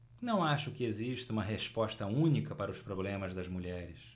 não acho que exista uma resposta única para os problemas das mulheres